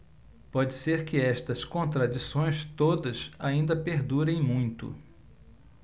pode ser que estas contradições todas ainda perdurem muito